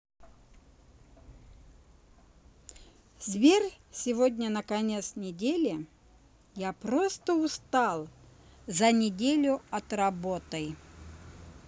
сбер сегодня конец недели я просто устал за неделю от работы